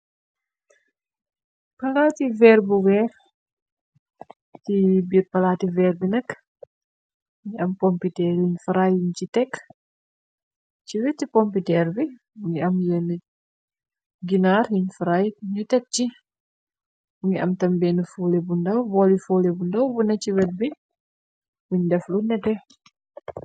palaati weer bu weex ci biir palaati, palaati weer bi nakk, ñu am pompiteer yuñ faraay, yuñ ci tekk. Si weti pomputeer bi, mungi am ginaar yuñ faraay ñu tek si. Mu ngi am tam benn foole bu ndaw, booli foole bu ndaw bu neek ci wet bi buñ def lu nétté.